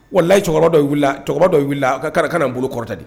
Wala layi cɛkɔrɔba dɔ y wili cɛkɔrɔba dɔ y wili a ka karata kan in bolo kɔrɔtɛ de